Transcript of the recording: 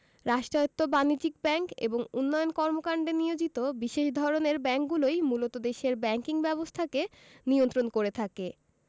রাষ্ট্রায়ত্ত বাণিজ্যিক ব্যাংক এবং উন্নয়ন কর্মকান্ডে নিয়োজিত বিশেষ ধরনের ব্যাংকগুলোই মূলত দেশের ব্যাংকিং ব্যবস্থাকে নিয়ন্ত্রণ করে থাকে